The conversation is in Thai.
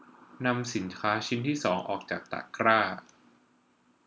นำสินค้าชิ้นที่สองออกจากตะกร้า